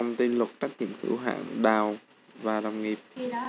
công ty luật trách nhiệm hữu hạn đào và đồng nghiệp